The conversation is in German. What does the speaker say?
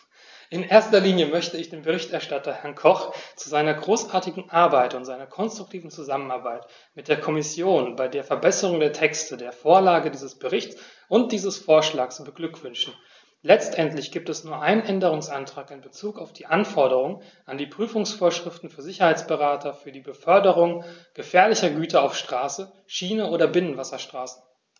In erster Linie möchte ich den Berichterstatter, Herrn Koch, zu seiner großartigen Arbeit und seiner konstruktiven Zusammenarbeit mit der Kommission bei der Verbesserung der Texte, der Vorlage dieses Berichts und dieses Vorschlags beglückwünschen; letztendlich gibt es nur einen Änderungsantrag in bezug auf die Anforderungen an die Prüfungsvorschriften für Sicherheitsberater für die Beförderung gefährlicher Güter auf Straße, Schiene oder Binnenwasserstraßen.